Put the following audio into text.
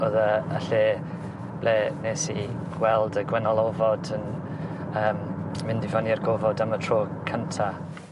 ...odd yy y lle le nes i gweld y gwennol ofod yn yym mynd i fynnu i'r gofod am y tro cynta.